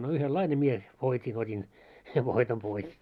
no yhdenlainen minä voitin otin sen voiton pois